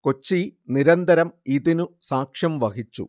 കൊച്ചി നിരന്തരം ഇതിനു സാക്ഷ്യം വഹിച്ചു